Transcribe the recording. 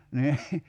niin